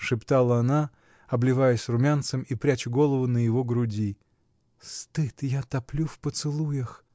— шептала она, обливаясь румянцем и пряча голову на его груди, — стыд я топлю в поцелуях.